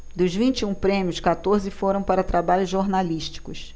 dos vinte e um prêmios quatorze foram para trabalhos jornalísticos